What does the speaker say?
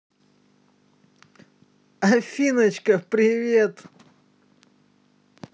афиночка привет